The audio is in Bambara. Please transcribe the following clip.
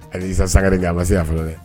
Sa sakariri a ma se a fɔlɔ dɛ